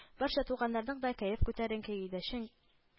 Барча туганнарның да кәеф күтәренке иде чөн